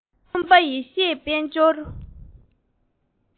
སུམ པ ཡེ ཤེས དཔལ འབྱོར